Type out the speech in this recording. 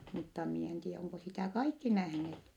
mutta minä en tiedä onko sitä kaikki nähneet